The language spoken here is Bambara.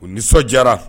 O nisɔndi